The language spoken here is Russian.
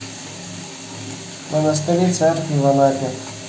монастыри церкви в анапе